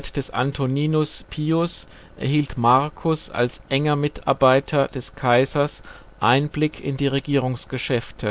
des Antoninus Pius erhielt Marcus als enger Mitarbeiter des Kaisers Einblick in die Regierungsgeschäfte